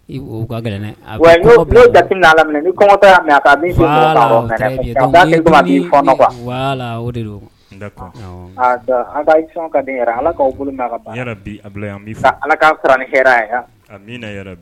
Ee o ka gɛlɛ dɛ, oui n y'o jate minɛ a la mɛnɛ, ni kɔnkɔɔ y'a min, a bɛ sin mɔgɔ kan loinɛ, a b'a kɛ komi a k'i fɔnɔ, quoi . Voila, très bien, o de don d'accord. Donc, ah, donc a ka emission ka di yɛrɛ yɛrɛ, allah k'aw mɛn a ka baara la , ya rabbi Abulayi an b'i fo, nka allah ka aw sara ni hɛrɛ ye. Amina ya rabbi